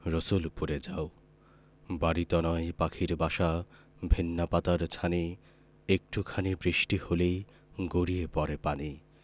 রসুলপুরে যাও বাড়িতো নয় পাখির বাসা ভেন্না পাতার ছানি একটু খানি বৃষ্টি হলেই গড়িয়ে পড়ে পানি